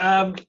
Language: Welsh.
yym